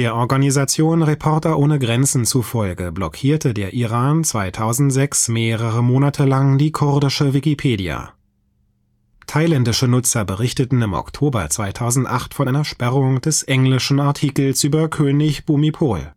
Organisation Reporter ohne Grenzen zufolge blockierte der Iran 2006 mehrere Monate lang die kurdische Wikipedia. Thailändische Nutzer berichteten im Oktober 2008 von einer Sperrung des englischen Artikels über König Bhumipol